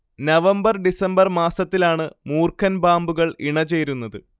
November December മാസത്തിലാണ് മൂർഖൻ പാമ്പുകൾ ഇണചേരുന്നത്